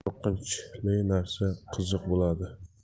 qo'rqinchli narsa qiziq bo'ladi